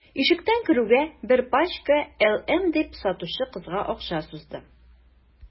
Ишектән керүгә: – Бер пачка «LM»,– дип, сатучы кызга акча сузды.